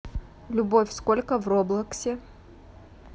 любовь сколько в роблоксе